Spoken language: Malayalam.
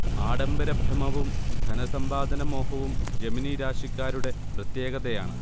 ആഡംബര ഭ്രമവും ധനസമ്പാദന മോഹവും ജമിനി രാശിക്കാരുടെ പ്രത്യേകതയാണ്